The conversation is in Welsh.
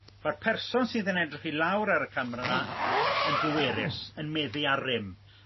ma'r person sydd yn edrych i lawr ar y camra 'na bwerus yn meddu ar rym